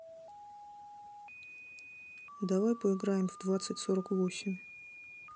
давай поиграем в двадцать сорок восемь